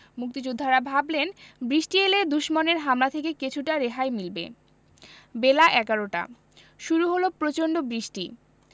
মুক্তিযোদ্ধারা ভাবলেন বৃষ্টি এলে দুশমনের হামলা থেকে কিছুটা রেহাই মিলবে বেলা এগারোটা শুরু হলো প্রচণ্ড বৃষ্টি